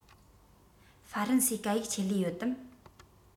ཧྥ རན སིའི སྐད ཡིག ཆེད ལས ཡོད དམ